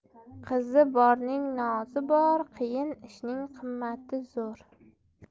qizi borning nozi bor qiyin ishning qimmati zo'r